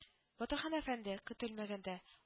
- батырхан әфәнде, көтелмәгәндә